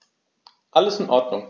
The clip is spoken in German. Alles in Ordnung.